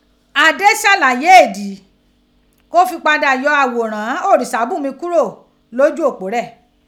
Adé ṣàlàyé ìdí kó fí padà yọ àghòrán Orisabunmi kúrò lójú òpó rẹ̀